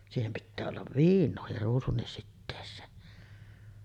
siihen pitää olla viinaakin ruusunkin siteeseen